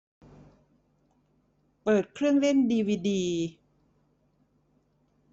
เปิดเครื่องเล่นดีวีดี